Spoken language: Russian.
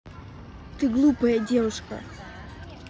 ты глупая девушка